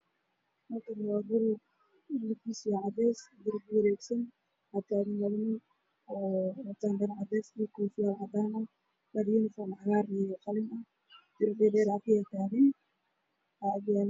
Waa labo nin wato jaakado jaale ah